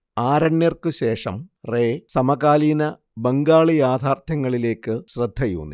ആരണ്യർക്ക് ശേഷം റേ സമകാലീന ബംഗാളി യാഥാർത്ഥ്യങ്ങളിലേയ്ക്ക് ശ്രദ്ധയൂന്നി